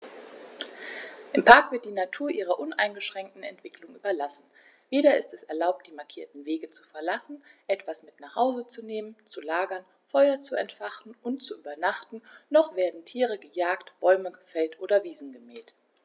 Im Park wird die Natur ihrer uneingeschränkten Entwicklung überlassen; weder ist es erlaubt, die markierten Wege zu verlassen, etwas mit nach Hause zu nehmen, zu lagern, Feuer zu entfachen und zu übernachten, noch werden Tiere gejagt, Bäume gefällt oder Wiesen gemäht.